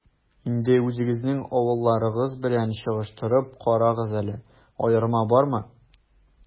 Инде үзегезнең авылларыгыз белән чагыштырып карагыз әле, аерма бармы?